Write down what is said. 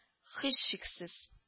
Һичшиксез